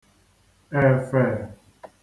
èfè